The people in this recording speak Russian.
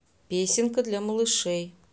песенка для малышей